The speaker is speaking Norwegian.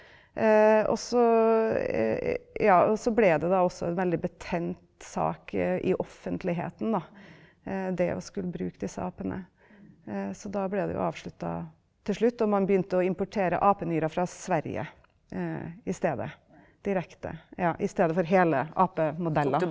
også ja også ble det da også veldig betent sak i offentligheten da, det å skulle bruke disse apene, så da ble det jo avsluttet til slutt og man begynte å importere apenyrer fra Sverige i stedet direkte ja i stedet for hele apemodeller.